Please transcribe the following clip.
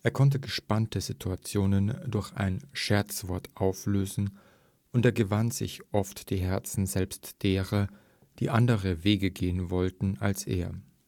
konnte gespannte Situationen durch ein Scherzwort auflösen, und er gewann sich oft die Herzen selbst derer, die andere Wege gehen wollten als er